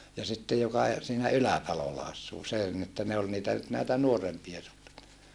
ja sitten joka - siinä Ylätalolla asuu se oli niin että ne oli niitä nyt näitä nuorempia suutareita